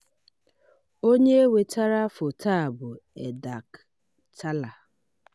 Onye wetara foto a bụ Endalk Chala.